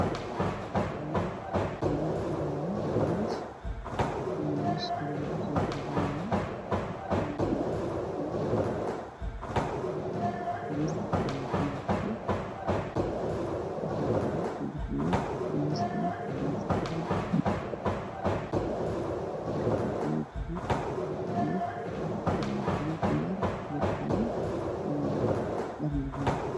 Waa wilal dhex fadhiyo masjid waxey aqrisanayaan cashiro